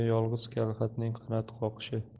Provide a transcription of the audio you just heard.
yolg'iz kalxatning qanot qoqishi